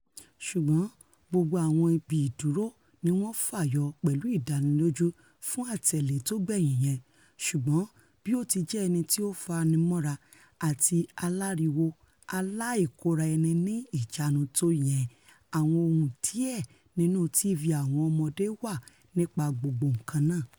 Gbogbo àwọn ibi ìdúró níwọ́n fàyọ pẹ̀lú ìdanílójú fún àtẹ̀lé tógbẹ̀yín yẹn, ṣùgbọ́n bí ó ti jẹ́ èyití ó fanimọ́ra àti aláriwo aláìkóraẹni-níìjánu tó yẹn, àwọn ohun díẹ̀ nínú TV àwọn ọmọdé wà nípa gbogbo nǹkan náà.